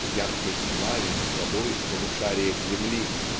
к яркой славе в обоих полушариях земли